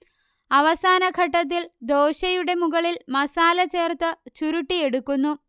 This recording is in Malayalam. അവസാന ഘട്ടത്തിൽ ദോശയുടെ മുകളിൽ മസാല ചേർത്ത് ചുരുട്ടിയെടുക്കുന്നു